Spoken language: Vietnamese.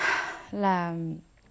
là